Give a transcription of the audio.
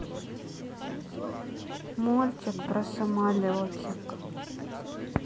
мультик про самолетик